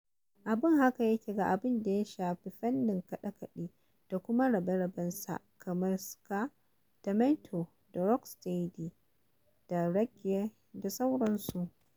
Abin haka yake ga abin da ya shafi fannin kaɗe-kaɗe da kuma rabe-rabensa kamar Ska da Mento da Rock Steady da Raggae da sauransu.